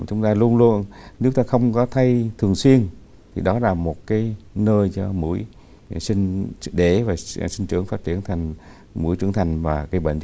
chúng ta luôn luôn chúng ta không có thay thường xuyên thì đó là một cái nơi cho muỗi vệ sinh để và sẽ sinh trưởng phát triển thành muỗi trưởng thành và gây bệnh